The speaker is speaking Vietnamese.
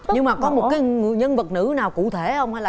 nhưng mà có một nhân vật nữ nào cụ thể hông hay